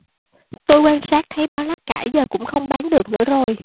tôi quan sát thấy báo lá cải giờ cũng không bán được nữa rồi